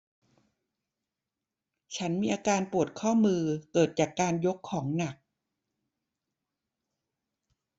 ฉันมีอาการปวดข้อมือเกิดจากการยกของหนัก